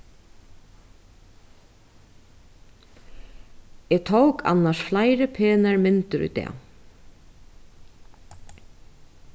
eg tók annars fleiri penar myndir í dag